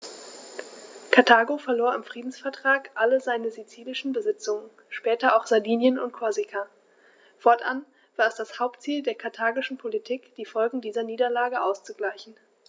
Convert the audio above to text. Karthago verlor im Friedensvertrag alle seine sizilischen Besitzungen (später auch Sardinien und Korsika); fortan war es das Hauptziel der karthagischen Politik, die Folgen dieser Niederlage auszugleichen.